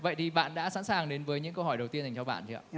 vậy thì bạn đã sẵn sàng đến với những câu hỏi đầu tiên dành cho bạn chưa ạ